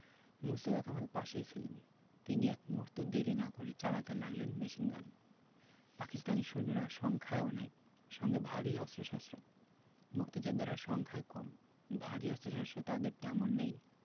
মোস্তফা কামাল পাশেই ছিলেন তিনি এক মুহূর্তও দেরি না করে চালাতে লাগলেন মেশিনগান পাকিস্তানি সৈন্যরা সংখ্যায় অনেক সঙ্গে ভারী অস্ত্রশস্ত্র মুক্তিযোদ্ধারা সংখ্যায় কম ভারী অস্ত্রশস্ত্র তাঁদের তেমন নেই